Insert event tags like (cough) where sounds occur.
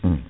(hesitation) (hesitation)